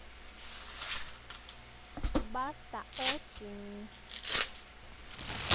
баста осень